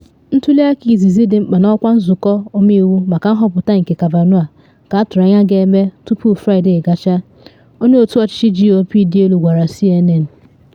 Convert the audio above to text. Ntuli aka izizi dị mkpa n’ọkwa Nzụkọ Ọmeiwu maka nhọpụta nke Kavanaugh ka atụrụ anya ga-eme tupu Fraịde gachaa, onye otu ọchịchị GOP dị elu gwara CNN.